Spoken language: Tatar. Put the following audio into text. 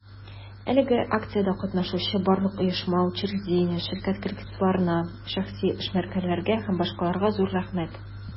Әлеге акциядә катнашучы барлык оешма, учреждение, ширкәт коллективларына, шәхси эшмәкәрләргә һ.б. зур рәхмәт!